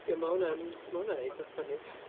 Ie, mae hwnna'n ma' hwnna'n eitha ffyni .